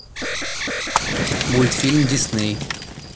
мультфильм дисней